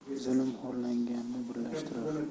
zulm xo'rlanganni birlashtirar